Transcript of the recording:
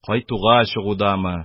Кайтырга чыгудамы,